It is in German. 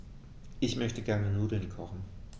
Ich möchte gerne Nudeln kochen.